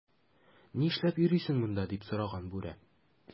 "нишләп йөрисең монда,” - дип сораган бүре.